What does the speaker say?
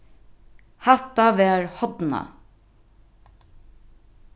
hatta var horna